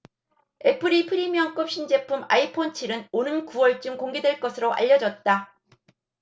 애플의 프리미엄급 신제품 아이폰 칠 은 오는 구 월쯤 공개될 것으로 알려졌다